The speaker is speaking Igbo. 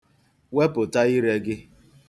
Wepụta ire gị.